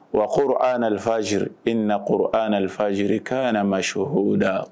Wa koro anlii e nakoro an lafili zi k' yɛrɛma sh hda